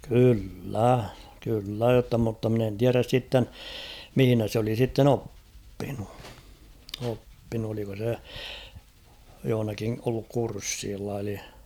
kyllä kyllä jotta mutta minä en tiedä sitten missä se oli sitten oppinut oppinut oliko se jossakin ollut kurssilla eli